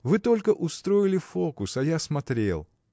Вы только устроили фокус, а я смотрел.